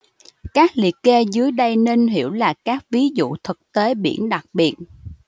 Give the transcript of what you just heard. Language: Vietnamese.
các liệt kê dưới đây nên hiểu là các ví dụ thực tế biển đặc biệt